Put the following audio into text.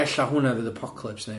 Ella hwnna fydd apocalypse neu?